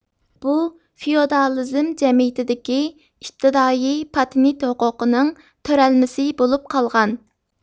بۇ فېئودالىزم جەمئىيىتىدىكى ئىپتىدائىي پاتېنت ھوقۇقىنىڭ تۆرەلمىسى بولۇپ قالغان